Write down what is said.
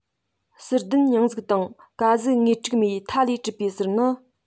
ཟུར ལྡན སྙུང གཟུགས དང ཀ གཟུགས ངོས དྲུག མའི མཐའ ལས གྲུབ པའི ཟུར ནི